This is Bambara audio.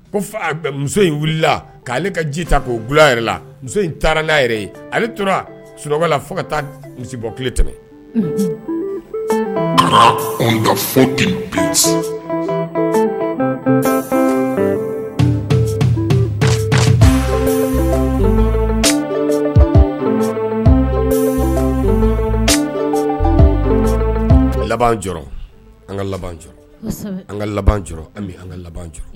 Ko fa muso in wulila k'ale ka ji ta k'o bila yɛrɛ la muso in taara n'a yɛrɛ ale tora suɔgɔ la fo ka taa misi bɔ ki tɛmɛ laban an ka an ka laban jɔ an bɛ an ka laban